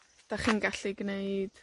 'dach chi'n gallu gneud,